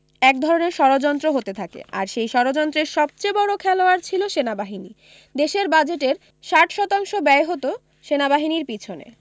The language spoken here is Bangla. এক ধরনের ষড়যন্ত্র হতে থাকে আর সেই ষড়যন্ত্রের সবচেয়ে বড়ো খেলোয়াড় ছিল সেনাবাহিনী দেশের বাজেটের ৬০% ব্যয় করা হতো সেনাবাহিনীর পিছনে